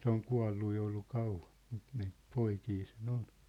se on kuollut jo ollut kauan mutta niitä poikia sen on